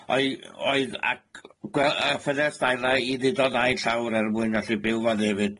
Oe- oedd ac gwel- yy ffenest skyline i neud o dau llawr er mwyn gallu byw fan hefyd.